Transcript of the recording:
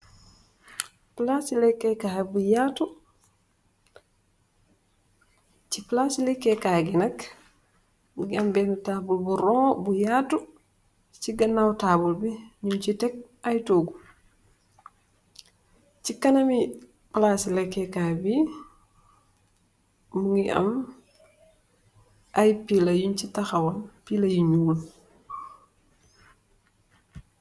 ci plaasi lekkee kaay bu yatu ci palasi lekee kaay bi nak mu ngi am bena taabul bu ron bu yaatu ci ganaw taabul bi ñuñ ci tekk ay toogu ci kanami plaasi lekkee kaay bi mu ngi am ay piila yuñ ci taxawan piila yu ñuul